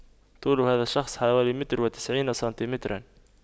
طول هذا الشخص حوالي متر وتسعين سنتيمتر